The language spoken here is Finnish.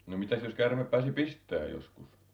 no mitäs jos käärme pääsi pistämään joskus